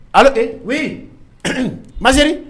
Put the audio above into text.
Ala tɛ w maseri